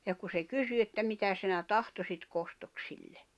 ja kun se kysyi että mitä sinä tahtoisit kostoksi sille